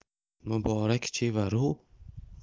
muborak chevaru